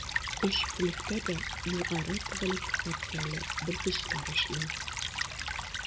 Өч бүлектә дә югары квалификацияле белгечләр эшли.